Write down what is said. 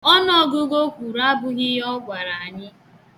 Ọnụọgụgụ o kwuru abụghị ihe ọ gwara anyị.